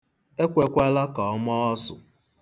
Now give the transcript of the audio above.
Ekwekwaka ka ọ maa ọsụ.